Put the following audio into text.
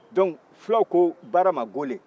dɔnku fulaw ko baara ma gole